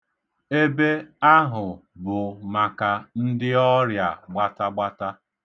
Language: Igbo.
Ebe ahụ bụ maka ndịọrịa gbatagbata.